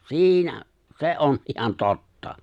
siinä se on ihan totta